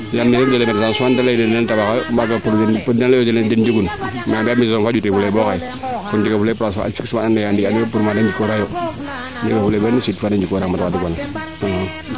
yaam maaga kaa ley uyo dene den njegun nda maison faa njuta fule boo xaye to njega fule place fixe faa ando naye a ndi'aanoyo pour maade njukoora yo wax deg fa yala